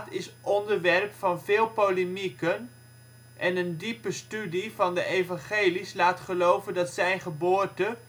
is onderwerp van veel polemieken en een diepe studie van de evangelies laat geloven dat Zijn geboorte